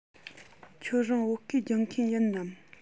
ཁྱོད རང བོད སྐད སྦྱོང མཁན ཡིན ནམ